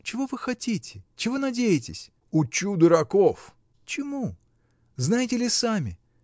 — Чего вы хотите, чего надеетесь? — Учу дураков! — Чему? знаете ли сами?